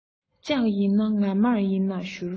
ལྕགས ཡིན ན ངར མར ཡིན ན བཞུར